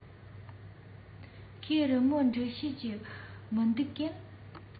ཁོས རི མོ འབྲི ཤེས ཀྱི མིན འདུག གས